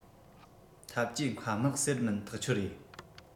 འཐབ ཇུས མཁའ དམག ཟེར མིན ཐག ཆོད རེད